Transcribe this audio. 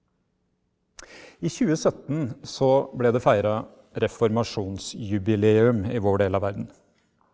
i 2017 så ble det feira reformasjonsjubileum i vår del av verden.